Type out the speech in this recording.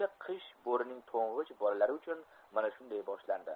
osha qish bo'rining to'ng'ich bolalari uchun mana shunday boshlandi